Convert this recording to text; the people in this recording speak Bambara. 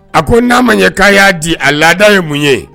A ko n'a ma ye k'a y'a di a laada ye mun ye